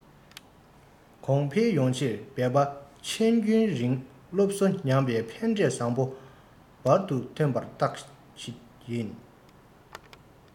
གོང འཕེལ ཡོང ཕྱིར འབད པ ཆེན རྒྱུན རིང སློབ གསོ མྱངས པའི ཕན འབྲས བཟང པོ འབུར དུ ཐོན པའི རྟགས ཡིན